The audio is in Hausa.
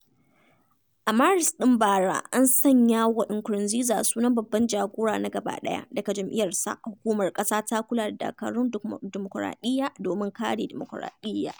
A Maris ɗin bara, an sanya wa Nkurunziza sunan "baban jagora na gabaɗaya" daga jam'iyyarsa, Hukumar ƙasa ta Kula da Dakarun Dimukuraɗiyya domin kare Dimukuraɗiyya.